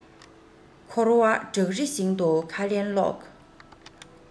འཁོར བ བྲག རི བཞིན དུ ཁ ལན སློག